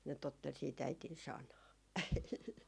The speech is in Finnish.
ne totteli sitten äidin sanaa